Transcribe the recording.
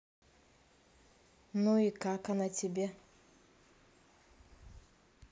ну и как она тебе